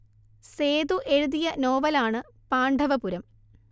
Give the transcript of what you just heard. സേതു എഴുതിയ നോവലാണ് പാണ്ഡവപുരം